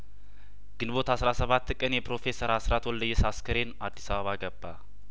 ግንቦት አስራ ሰባት ቀን የፕሮፈሰር አስራት ወልደየስ አክስሬን አዲስ አበባ ገባ